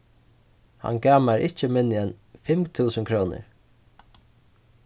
hann gav mær ikki minni enn fimm túsund krónur